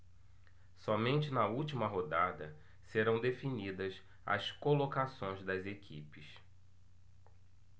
somente na última rodada serão definidas as colocações das equipes